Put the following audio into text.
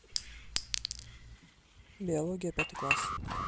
биология пятый класс